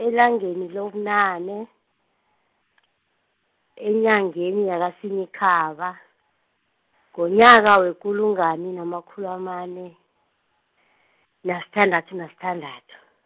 elangeni lobunane , enyangeni yakaSinyikhaba, ngonyaka wekulungwane namakhulu amane, nasithandathu nasithandathu.